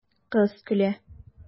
Кыз көлә.